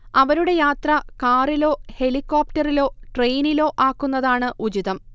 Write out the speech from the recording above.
അവരുടെ യാത്ര കാറിലോ ഹെലികോപ്റ്ററിലോ ട്രെയിനിലോ ആക്കുന്നതാണ് ഉചിതം